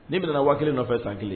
Ne bɛna wa kelen nɔfɛ san kelen